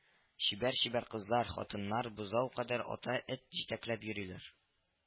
Чибәр-чибәр кызлар, хатыннар бозау кадәр ата эт җитәкләп йөриләр